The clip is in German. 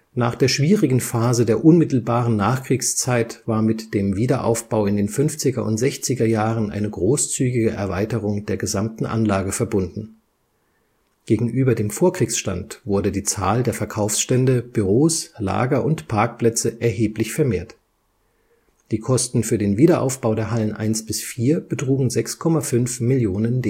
Nach der schwierigen Phase der unmittelbaren Nachkriegszeit war mit dem Wiederaufbau in den fünfziger und sechziger Jahren eine großzügige Erweiterung der gesamten Anlage verbunden. Gegenüber dem Vorkriegsstand wurde die Zahl der Verkaufsstände, Büros, Lager und Parkplätze erheblich vermehrt. Die Kosten für den Wiederaufbau der Hallen 1 bis 4 betrugen 6,5 Millionen